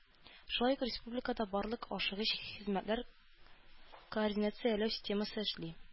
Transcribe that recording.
Шулай ук республикада барлык ашыгыч хезмәтләр координацияләү системасы эшли.